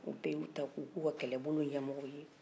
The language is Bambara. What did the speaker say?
u bɛɛ ye u ta k' u kɛ u ka kɛlɛbolo ɲɛmɔgɔw ye